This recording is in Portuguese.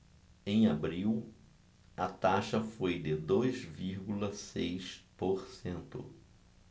em abril a taxa foi de dois vírgula seis por cento